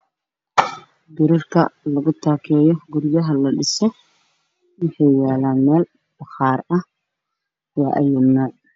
Waa bararka lugu taakeeyo guryaha ladhiso waxuu yaalaa meel baqaar ah waa ayi nuuc.